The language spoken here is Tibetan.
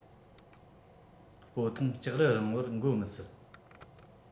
སྤོ ཐུང ལྕགས རི རིང བོར འགོད མི སྲིད